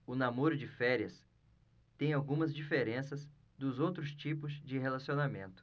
o namoro de férias tem algumas diferenças dos outros tipos de relacionamento